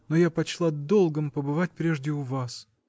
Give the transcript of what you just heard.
но я почла долгом побывать прежде у вас.